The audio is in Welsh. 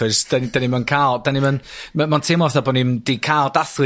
chys 'da, 'da ni'm yn ca'l da' ni'm yn... ma'n teimlo fatha bo' ni'm 'di ca'l dathlu